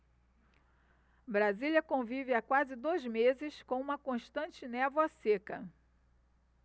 brasília convive há quase dois meses com uma constante névoa seca